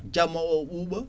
jamma o ɓuuɓa